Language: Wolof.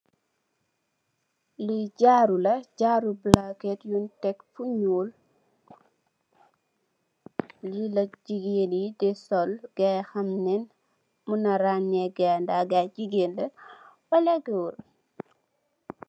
Li jaru la jaru palakeh bun teh fo nuul li la jigeen yi di sol gay xam ne jigeen la wala goor.